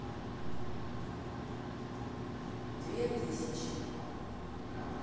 две тысячи